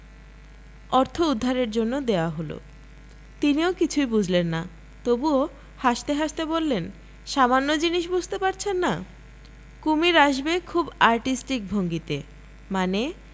অর্থ উদ্ধারের জন্য দেয়া হল তিনিও কিছুই বুঝলেন না তবু হাসতে হাসতে বললেন সামান্য জিনিস বুঝতে পারছেন না কুমীর আসবে খুব আর্টিস্টিক ভঙ্গিতে মানে